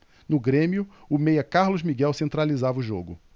no grêmio o meia carlos miguel centralizava o jogo